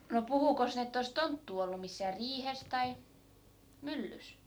no puhuikos ne että olisi tonttua ollut missään riihessä tai myllyssä